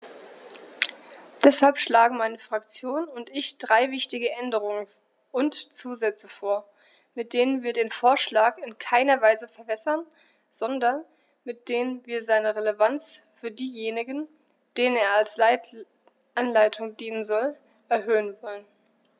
Deshalb schlagen meine Fraktion und ich drei wichtige Änderungen und Zusätze vor, mit denen wir den Vorschlag in keiner Weise verwässern, sondern mit denen wir seine Relevanz für diejenigen, denen er als Anleitung dienen soll, erhöhen wollen.